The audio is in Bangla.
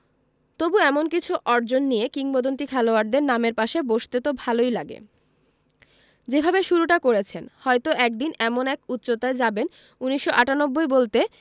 তবু এমন কিছু অর্জন নিয়ে কিংবদন্তি খেলোয়াড়দের নামের পাশে বসতে তো ভালোই লাগে যেভাবে শুরুটা করেছেন হয়তো একদিন এমন এক উচ্চতায় যাবেন ১৯৯৮ বলতে